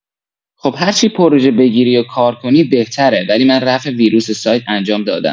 خب هرچی پروژه بگیری و کار کنی بهتره ولی من رفع ویروس سایت انجام دادم.